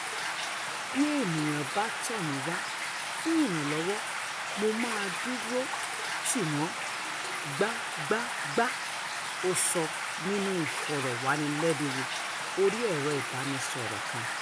Bí ènìyàn bá tọ̀ mí wá fún ìrànlọ́wọ́, mo máa dúró tì wọ́n gbágbágbá, ó sọ nínúu ìfọ̀rọ̀wánilẹ́nuwò orí ẹ̀ro-ìbánisọ̀rọ̀ kan.